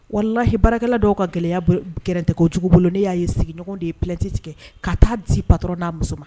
Walahi baarakɛla dɔw ka gɛlɛya grɛntɛ jugu bolo ne y'a ye sigiɲɔgɔn de ye plɛti tigɛ ka taa di batr n'a muso ma